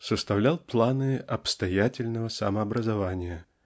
составлял планы обстоятельного самообразования